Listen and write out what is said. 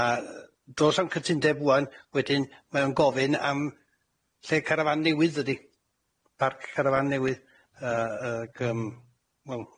A yy, do's 'a'm cytundeb ŵan, wedyn mae o'n gofyn am lle carafán newydd dydi, parc carafán newydd yy a ag yym, wel.